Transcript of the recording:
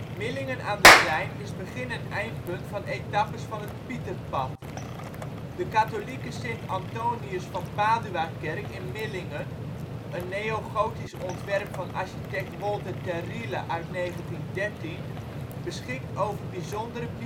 Millingen aan de Rijn is begin - en eindpunt van etappes van het Pieterpad. De katholieke Sint-Antonius van Paduakerk in Millingen, een neogotisch ontwerp van architect Wolter te Riele uit 1913, beschikt over bijzondere